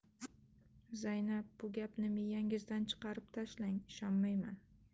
zaynab bu gapni miyangizdan chiqarib tashlang ishonmayman